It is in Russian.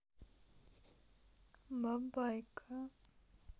бабайка